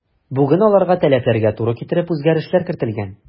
Бүген аларга таләпләргә туры китереп үзгәрешләр кертелгән.